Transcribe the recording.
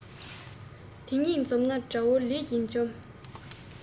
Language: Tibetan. དེ གཉིས འཛོམས ན དགྲ བོ ལས ཀྱིས འཇོམས